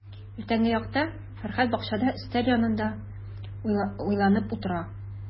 Иртәнге якта Фәрхәт бакчада өстәл янында уйланып утыра.